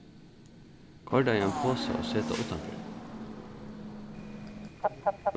koyr tað í ein posa og set tað uttanfyri